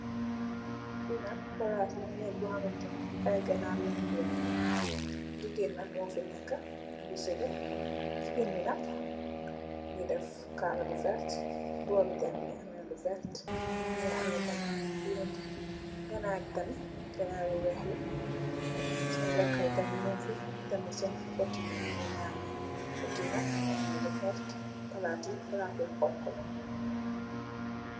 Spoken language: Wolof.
Fii nak palaas la, palaasi yaree kaay ganaar, jigéen nak moo fi neekë, mu ngi sëggë, mu ngi def kaala bu werta, mbuba bi tam mu ngi am lu werta, mu amee tam lu nette, ganaari tamit ganaari yu weex la, seen leeka yi tamit muñg fi, ak seen pot yi ñuy naane, pot yi tam mu ngi am lu werta, palaat yi, palaat yu xonxu la.